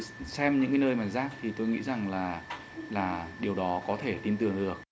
xem những cái nơi mà rác thì tôi nghĩ rằng là là điều đó có thể tin tưởng được